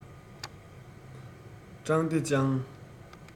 ཀྲང ཏེ ཅང